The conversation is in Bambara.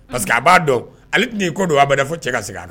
Parce que a b'a dɔn ale t'i ko don a bɛ ne fɔ cɛ ka segin a dɔn